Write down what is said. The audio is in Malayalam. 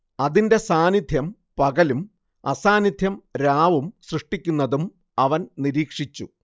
അതിന്റെ സാന്നിദ്ധ്യം പകലും അസാന്നിദ്ധ്യം രാവും സൃഷ്ടിക്കുന്നതും അവൻ നിരീക്ഷിച്ചു